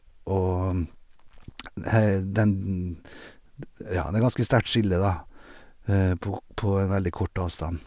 Og den dn d ja, det er ganske sterkt skille, da, på k på en veldig kort avstand.